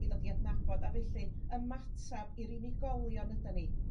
I ddod i adnabod a felly ymatab i'r unigolion ydan ni